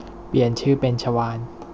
เปลี่ยนชื่อเป็นชวาล